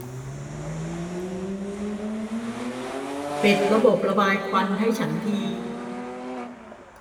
ปิดระบบระบายควันให้ฉันที